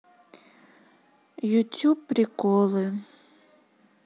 ютуб приколы